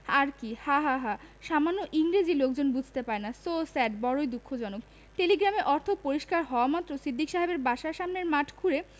আর কি হা হা হা সামান্য ইংরেজী লোকজন বুঝতে পারে না সো সেড. বড়ই দুঃখজনক টেলিগ্রামের অর্থ পরিষ্কার হওয়ামাত্র সিদ্দিক সাহেবের বাসার সামনের মাঠ খুঁড়ে